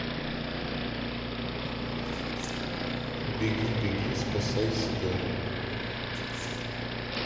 беги беги спасай себя